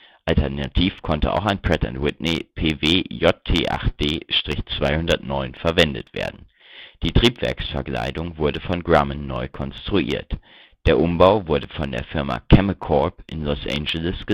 Alternativ konnte auch ein Pratt & Whitney PW JT8D-209 verwendet werden. Die Triebwerksverkleidung wurde von Grumman neu konstruiert. Der Umbau wurde von der Firma Cammacorp in Los Angeles geleitet